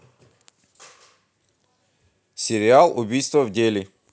сериал убийство в дели